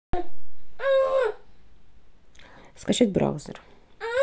скачать браузер